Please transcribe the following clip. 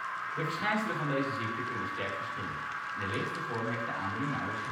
De verschijnselen van deze ziekte kunnen sterk verschillen. In de lichtste vorm heeft de aandoening nauwelijks gevolgen